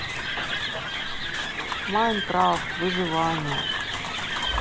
майнкрафт выживание